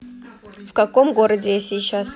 в каком городе я сейчас